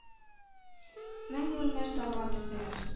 Мәңге үлмәс данга төрделәр.